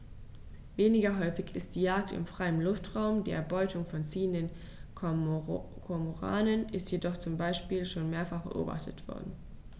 Weniger häufig ist die Jagd im freien Luftraum; die Erbeutung von ziehenden Kormoranen ist jedoch zum Beispiel schon mehrfach beobachtet worden.